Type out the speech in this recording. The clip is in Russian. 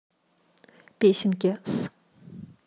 песенки с